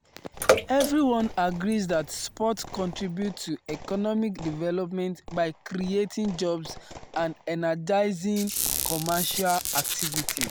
Everyone agrees that sports contribute to economic development by creating jobs and energizing commercial activity.